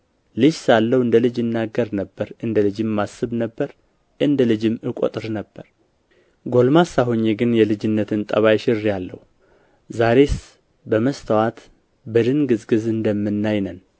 ልጅ ሳለሁ እንደ ልጅ እናገር ነበር እንደ ልጅም አስብ ነበር እንደ ልጅም እቈጥር ነበር ጎልማሳ ሆኜ ግን የልጅነትን ጠባይ ሽሬአለሁ ዛሬስ በመስተዋት በድንግዝግዝ እንደምናይ ነን